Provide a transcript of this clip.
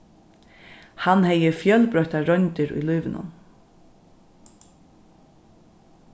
hann hevði fjølbroyttar royndir í lívinum